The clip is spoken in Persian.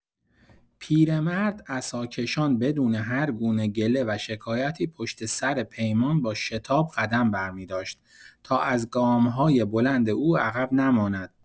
پیرمرد عصاکشان بدون هرگونه گله و شکایتی پشت‌سر پیمان با شتاب قدم برمی‌داشت تا از گام‌های بلند او عقب نماند.